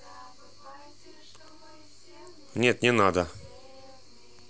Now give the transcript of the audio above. нет не надо